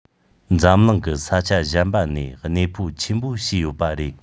འཛམ གླིང གི ས ཆ གཞན པ ནས གནས འཕོ ཆེན པོ བྱས ཡོད པ རེད